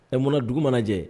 E munna dugu mana lajɛ